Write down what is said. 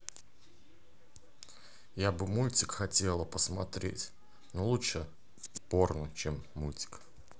я бы мультик хотела